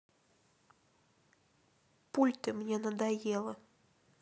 пульты мне надоело